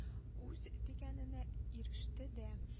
Үз дигәненә иреште дә